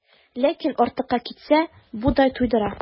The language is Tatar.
Ләкин артыкка китсә, бу да туйдыра.